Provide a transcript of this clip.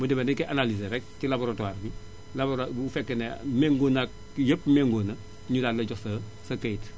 bu demee dañu koy analysé rekk ci laboratoire bi labora bu fekkee ne mñgoo na ak yépp meñgoo na ñu daal lay jox sa sa kayit